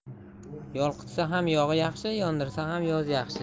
yolqitsa ham yog' yaxshi yondirsa ham yoz yaxshi